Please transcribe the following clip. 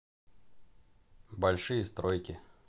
большие стройки